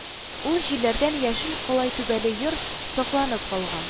Ул җилләрдән яшел калай түбәле йорт сакланып калган